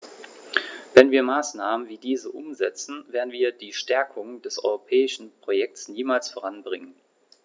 Wenn wir Maßnahmen wie diese umsetzen, werden wir die Stärkung des europäischen Projekts niemals voranbringen.